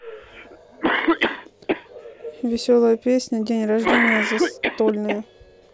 веселая песня день рождения застольные